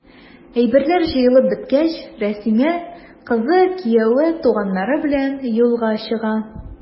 Әйберләр җыелып беткәч, Рәсимә, кызы, кияве, туганнары белән юлга чыга.